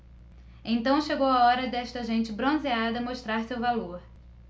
então chegou a hora desta gente bronzeada mostrar seu valor